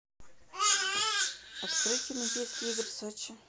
открытие олимпийских игр в сочи